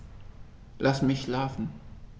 Lass mich schlafen